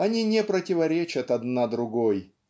они не противоречат одна другой